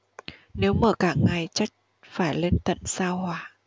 nếu mở cả ngày chắc phải lên tận sao hỏa